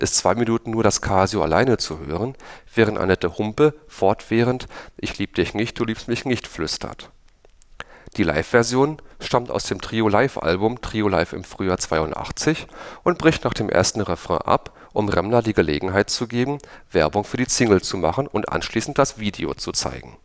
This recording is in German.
zwei Minuten nur das Casio alleine zu hören, während Annette Humpe fortwährend „ Ich lieb dich nicht du liebst mich nicht “flüstert. Die Live-Version stammt aus Trios Live-Album „ Trio live im Frühjahr 82 “und bricht nach dem ersten Refrain ab, um Remmler die Gelegenheit zu geben, Werbung für die Single zu machen und anschließend das Video zu zeigen